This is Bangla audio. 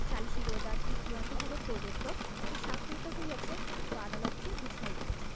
সালিসী রোয়েদাদটি চূড়ান্তভাবে প্রদত্ত ও স্বাক্ষরিত হইয়াছে উক্ত আদালতকে বুঝাইবে